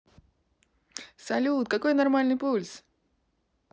салют какой нормальный пульс